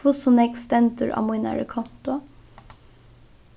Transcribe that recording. hvussu nógv stendur á mínari kontu